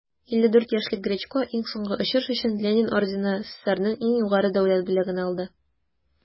54 яшьлек гречко иң соңгы очыш өчен ленин ордены - сссрның иң югары дәүләт бүләген алды.